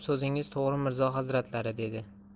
so'zingiz to'g'ri mirzo hazratlari dedi